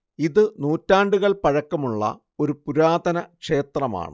ഇതു നൂറ്റാണ്ടുകൾ പഴക്കമുള്ള ഒരു പുരാതന ക്ഷേത്രമാണ്